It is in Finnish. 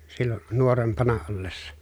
silloin nuorempana ollessa